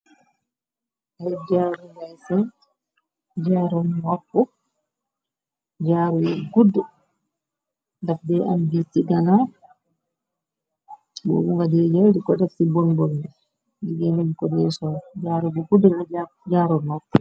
Ay jaarungay seen jaaru noppu jaaru bu gudd dax di am biit ci ganaw boo bu nga de jël di ko dax ci bonbol ni gige nañ ko deesool jaaru bu gudd la jaaru noppu.